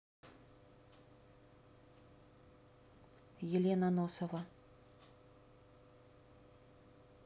елена носова